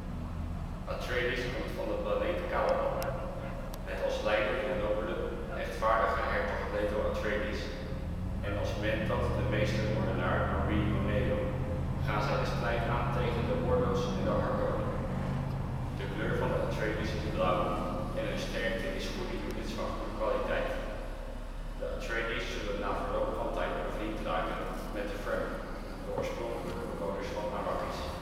Atreides komt van de planeet Caladan. Met als leider de nobele, rechtvaardige hertog Leto Atreides en als mentat de meestermoordenaar Noree Moneo gaan zij de strijd aan tegen de Ordos en de Harkonnen. De kleur van de Atreides is blauw en hun sterkte is goede units van goede kwaliteit. De Atreides zullen na verloop van tijd bevriend raken met de Fremen, de oorspronkelijke bewoners van Arrakis